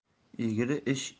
egri ish ellik